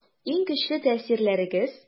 Иң көчле тәэсирләрегез?